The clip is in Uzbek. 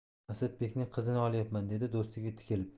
asadbekning qizini olyapman dedi do'stiga tikilib